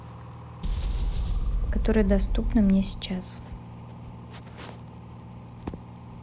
которые доступны мне сейчас